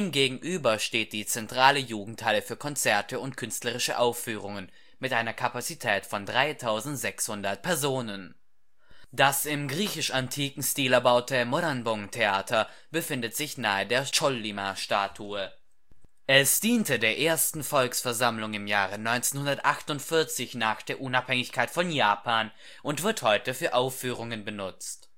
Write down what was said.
gegenüber steht die Zentrale Jugendhalle für Konzerte und künstlerische Aufführungen mit einer Kapazität von 3.600 Personen. Das im griechisch-antiken Stil erbaute Moranbong-Theater befindet sich nahe der Chollima-Statue. Es diente der ersten Volksversammlung im Jahre 1948 nach der Unabhängigkeit von Japan und wird heute für Aufführungen benutzt